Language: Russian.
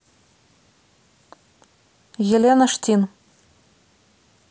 елена штин